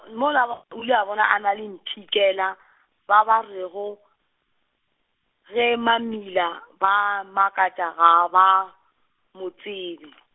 mola , o kile wa bona a na le mpshikela, ba ba rego, ge mamila ba makatša ga ba, mo tsebe.